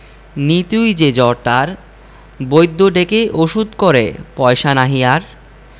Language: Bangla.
নিতুই যে জ্বর তার বৈদ্য ডেকে ওষুধ করে পয়সা নাহি আর